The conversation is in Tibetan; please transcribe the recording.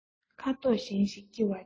ཁ དོག གཞན ཞིག སྐྱེ བར འགྱུར